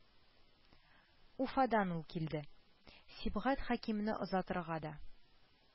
Уфадан ул килде, Сибгат Хәкимне озатырга да